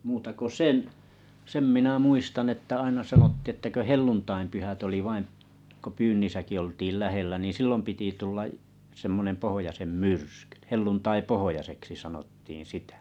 muuta kuin sen sen minä muistan että aina sanottiin että kun helluntainpyhät oli vain kun pyynnissäkin oltiin lähellä niin silloin piti tulla semmoinen pohjoisen myrsky helluntaipohjoiseksi sanottiin sitä